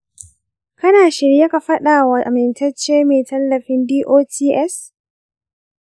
kana shirye ka faɗa wa amintaccen mai tallafin dots?